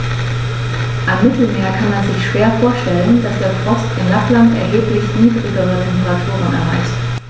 Am Mittelmeer kann man sich schwer vorstellen, dass der Frost in Lappland erheblich niedrigere Temperaturen erreicht.